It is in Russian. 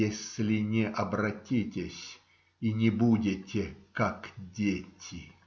"Если не обратитесь и не будете как дети.